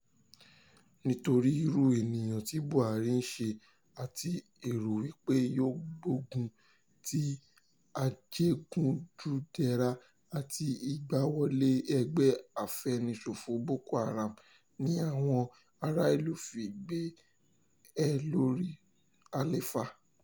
Nítorí irú ènìyàn tí Buhari ń ṣe àti èrò wípé yóò gbógun ti ìjẹgúdújẹrá àti ìgbáwọlẹ̀ ẹgbẹ́ afẹ̀míṣòfò Boko Haram ni àwọn ará ìlú fi gbé e sórí àlééfà.